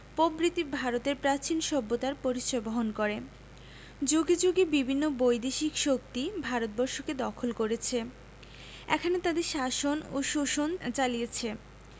প্রভৃতি ভারতের প্রাচীন সভ্যতার পরিচয় বহন করেযুগে যুগে বিভিন্ন বৈদেশিক শক্তি ভারতবর্ষকে দখল করেছে এখানে তাদের শাসন ও শোষণ চালিছে